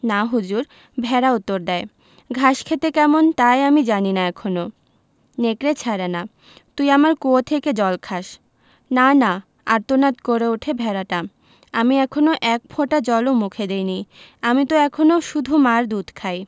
না হুজুর ভেড়া উত্তর দ্যায় ঘাস খেতে কেমন তাই আমি জানি না এখনো নেকড়ে ছাড়ে না তুই আমার কুয়ো থেকে জল খাস না না আর্তনাদ করে ওঠে ভেড়াটা আমি এখনো এক ফোঁটা জল ও মুখে দিইনি আমি ত এখনো শুধু মার দুধ খাই